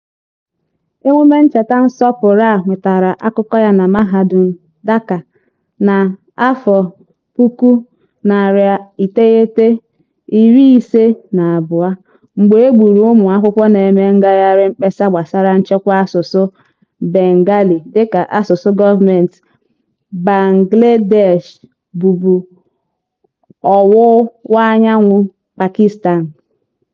Emume ncheta nsọpụrụ a nwetara akụkọ ya na Mahadum Dhaka na 1952 mgbe e gburu ụmụakwụkwọ na-eme ngagharị mkpesa gbasara nchekwa asụsụ Bengali dịka asụsụ gọọmentị Bangladesh (bụbụ ọwụwaanyanwụ Pakistan).